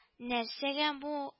Нәрсәгә бу